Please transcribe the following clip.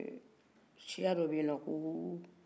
siya dɔ bɛ ye ko